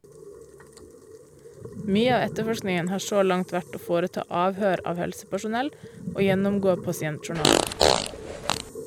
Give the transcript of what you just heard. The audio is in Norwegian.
Mye av etterforskningen har så langt vært å foreta avhør av helsepersonell og gjennomgå pasientjournaler.